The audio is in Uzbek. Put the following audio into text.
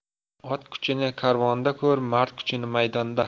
ot kuchini karvonda ko'r mard kuchini maydonda